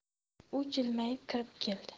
u jilmayib kirib keldi